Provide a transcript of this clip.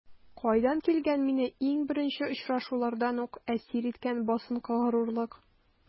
Кайдан килгән мине иң беренче очрашулардан үк әсир иткән басынкы горурлык?